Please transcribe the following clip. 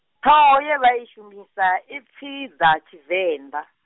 ṱhoho ye vha i shumisa, i pfi, dza Tshivenḓa.